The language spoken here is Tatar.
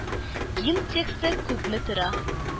Гимн тексты күпме тора